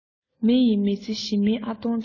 མི ཡིས མི ཚེ ཞི མིའི ཨ སྟོང འདྲ